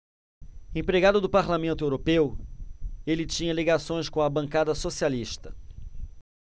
empregado do parlamento europeu ele tinha ligações com a bancada socialista